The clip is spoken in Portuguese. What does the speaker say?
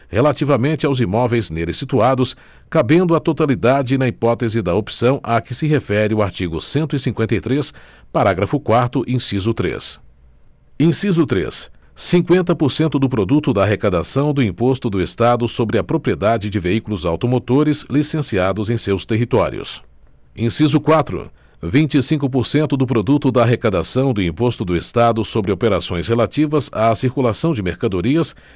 relativamente aos imóveis neles situados cabendo a totalidade na hipótese da opção a que se refere o artigo cento e cinquenta e três parágrafo quarto inciso três inciso três cinqüenta por cento do produto da arrecadação do imposto do estado sobre a propriedade de veículos automotores licenciados em seus territórios inciso quatro vinte e cinco por cento do produto da arrecadação do imposto do estado sobre operações relativas à circulação de mercadorias